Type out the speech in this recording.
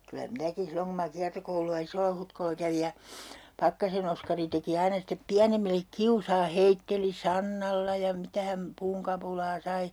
kyllä minäkin silloin kun minä kiertokoulua Isolla-Hutkolla kävin ja Pakkasen Oskari teki aina sitten pienemmille kiusaa heitteli sannalla ja mitä hän puunkapulaa sai